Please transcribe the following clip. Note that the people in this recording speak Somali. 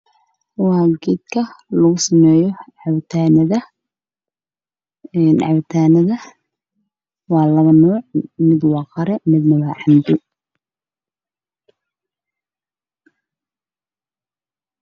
Halkaan waxaa ka muuqdo geedka biyaha lagu sameeyo oo ku jiraan biyo cabitaan midna waa guduud midna waa jaalo